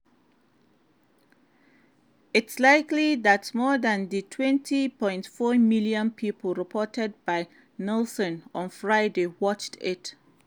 It's likely that more than the 20.4 million people reported by Nielsen on Friday watched it.